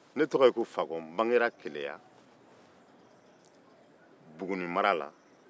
ne tɔgɔ ye fakɔ n wolola keleya buguni mara la